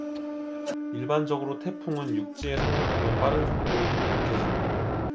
일반적으로 태풍은 육지에 상륙하면 빠른 속도로 힘이 약해진다